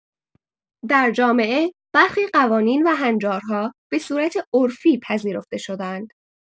در جامعه برخی قوانین و هنجارها به صورت عرفی پذیرفته شده‌اند.